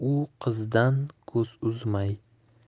u qizdan ko'z uzmay